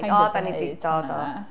Kind of dan ni 'di wneud hwnna?